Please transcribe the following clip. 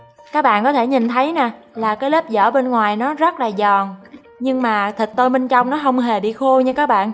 các bạn có thể nhìn thấy nè là cái lớp vỏ bên ngoài nó rất là giòn nhưng mà thịt tôm bên trong nó hong hề bị khô nhe các bạn